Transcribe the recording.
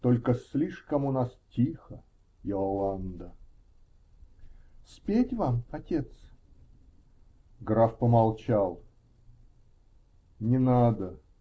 Только слишком у нас тихо, Иоланда. -- Спеть вам, отец? Граф помолчал. -- Не надо.